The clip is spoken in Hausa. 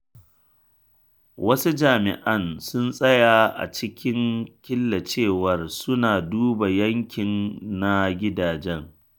Wasu jami’an sun tsaya a cikin killecewar suna duba yanki na gidajen.